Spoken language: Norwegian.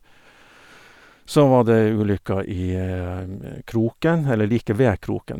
Så var det ei ulykke i Kroken eller like ved Kroken.